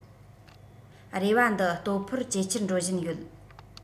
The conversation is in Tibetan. རེ བ འདི ལྟོ ཕོར ཇེ ཆེར འགྲོ བཞིན ཡོད